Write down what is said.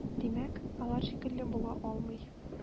Димәк, алар шикле була алмый.